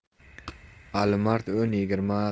alimard o'n yigirma